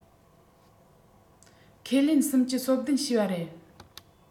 ཁས ལེན སུམ བཅུ སོ བདུན བྱས པ རེད